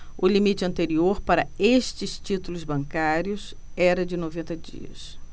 o limite anterior para estes títulos bancários era de noventa dias